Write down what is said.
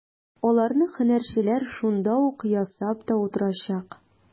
Аларны һөнәрчеләр шунда ук ясап та утырачак.